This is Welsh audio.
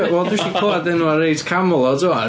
Wel, dwi isio clywad enwau reids Camelot wan.